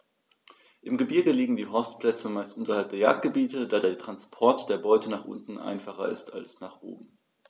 Im Gebirge liegen die Horstplätze meist unterhalb der Jagdgebiete, da der Transport der Beute nach unten einfacher ist als nach oben.